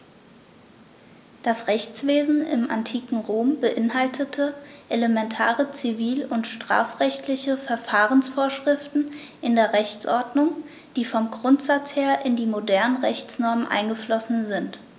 Das Rechtswesen im antiken Rom beinhaltete elementare zivil- und strafrechtliche Verfahrensvorschriften in der Rechtsordnung, die vom Grundsatz her in die modernen Rechtsnormen eingeflossen sind.